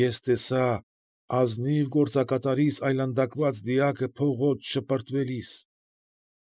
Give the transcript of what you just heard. Ես տեսա ազնիվ գործակատարիս այլանդակված դիակը փողոց շպրտվելիս։